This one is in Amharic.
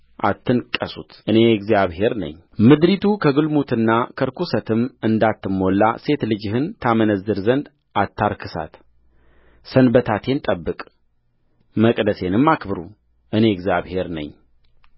አትንቀሱት እኔ እግዚአብሔር ነኝምድሪቱ ከግልሙትና ከርኵሰትም እንዳትሞላ ሴት ልጅህን ታመነዝር ዘንድ አታርክሳትሰንበታቴን ጠብቁ መቅደሴንም አክብሩ እኔ እግዚአብሔር ነኝ